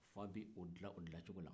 fa b'o dilan o dilan cogo la